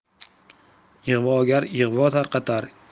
ig'vogar ig'vo tarqatar